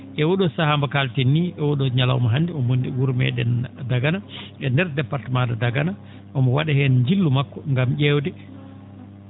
e oo?oo sahaa mbo kaalten ni e oo ?oo ñalawma hannde omo nii wuro me?en Dagana e ndeer département de Dagana omo wa?a heen njillu makko ngam ?eewde